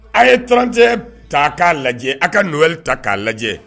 A' ye 31 ta a k'a lajɛ a' ka Noel ta a k'a lajɛ